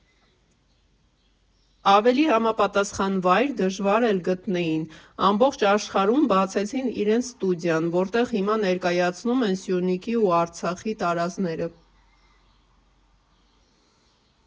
Ավելի համապատասխան վայր դժվար էլ գտնեին ամբողջ Արցախում, բացեցին իրենց ստուդիան, որտեղ հիմա ներկայացնում են Սյունիքի ու Արցախի տարազները։